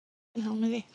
'kin hell me' fi.